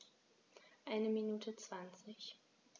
Eine Minute 20